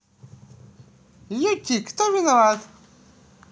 beauty кто виноват